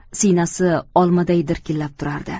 siynasi olmaday dirkillab turardi